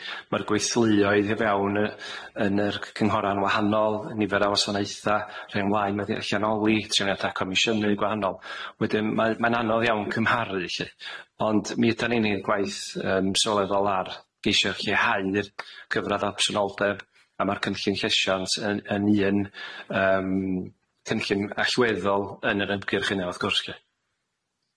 Ma'r gweithleuoedd i fewn yy yn yr cy- cynghoron wahanol nifer o wasanaetha' rhoi'n waed ma'n ddi- allanoli treuliant a comisiynu gwahanol, wedyn mae mae'n anodd iawn cymharu 'lly ond mi ydan ni'n neud gwaith yym sylweddol ar geisio lleihau'r cyfradd absynoldeb a ma'r cynllun llesiant yn yn un yym cynllun allweddol yn yr ymgyrch yna wrth gwrs 'lly.